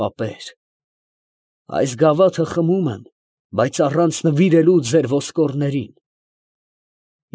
Պապեր, այս գավաթը խմում եմ, բայց առանց նվիրելու ձեր ոսկորներին։